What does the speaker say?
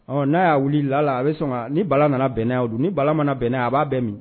Ɔ n'a y'a wili lala a be sɔn ŋaa ni Bala nana bɛn n'a ye o don ni Bala mana bɛn n'a ye a b'a bɛɛ min